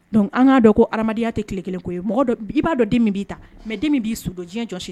Dɔnku an k'a dɔn ko adamadenyaya tɛ tile kelen ko ye mɔgɔ i b'a dɔn min b'i ta mɛden b'i su don diɲɛ jɔ siri